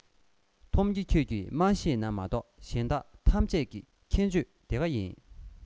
འཐོམ གྱེ ཁྱོད ཀྱིས མ ཤེས ན མ གཏོགས གཞན དག ཐམས ཅད ཀྱི མཁྱེན སྤྱོད དེ ག ཡིན